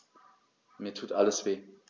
Mir tut alles weh.